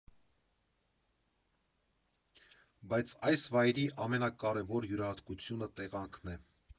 Բայց այս վայրի ամենակարևոր յուրահատկությունը տեղանքն է.